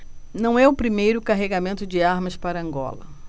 não é o primeiro carregamento de armas para angola